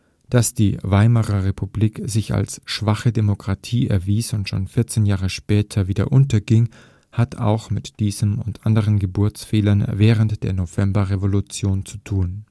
Dass die Weimarer Republik sich als schwache Demokratie erwies und schon 14 Jahre später wieder unterging, hat auch mit diesem und anderen Geburtsfehlern während der Novemberrevolution zu tun